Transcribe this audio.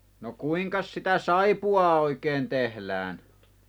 no kuinkas sitä saippuaa oikein tehdään